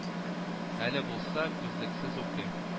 Әле булса күзлексез укыйм